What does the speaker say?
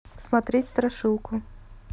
смотреть страшилку